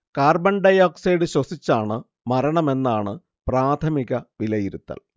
carbon dioxide ശ്വസിച്ചാണ് മരണമെന്നാണ് പ്രാഥമിക വിലയിരുത്തൽ